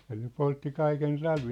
ja ne poltti kaiken talvea